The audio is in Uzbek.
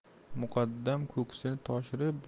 muqaddam ko'ksini toshirib